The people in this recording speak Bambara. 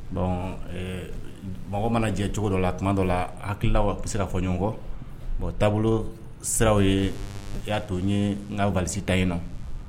Bon ee mɔgɔ mana jɛ cogo dɔ la tuma dɔ la a hakililaw be se ka fɔ ɲɔgɔn kɔ. Bɔn taabolo siraw ye ya to n ye n ka valise ta yen nɔ.